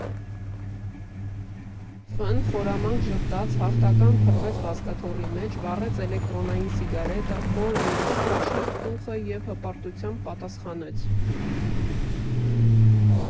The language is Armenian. Ֆ֊ն խորամանկ ժպտաց, հաղթական փռվեց բազկաթոռի մեջ, վառեց էլեկտրոնային սիգարետը, խոր ներս քաշեց ծուխը և հպարտությամբ պատասխանեց՝